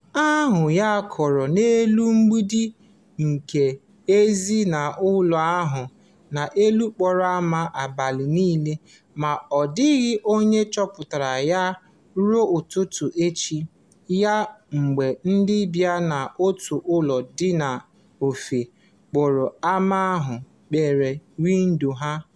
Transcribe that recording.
Ahụ ya kooro n'elu mgbidi nke èzí nke ụlọ ahụ n'elu okporo ámá abalị niile, ma ọ dịghị onye chọpụtara ya ruo ụtụtụ echi ya mgbe ndị bi n'otu ụlọ dị n'ofe okporo ámá ahụ mepere windo ha.